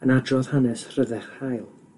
yn adrodd hanes Rhyddech Hael